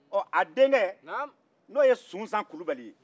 o a dencɛ n'o ye sunsan kulubali ye